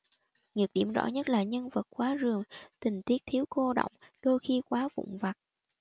nhược điểm rõ nhất là nhân vật quá rườm tình tiết thiếu cô động đôi khi quá vụn vặt